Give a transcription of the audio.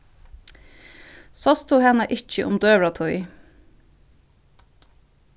sást tú hana ikki um døgurðatíð